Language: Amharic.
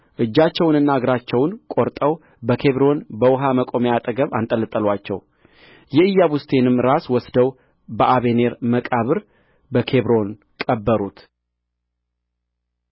እጃቸውንና እግራቸውን ቈርጠው በኬብሮን በውኃ መቆሚያ አጠገብ አንጠለጠሉአቸው የኢያቡስቴንም ራስ ወስደው በአበኔር መቃብር በኬብሮን ቀበሩት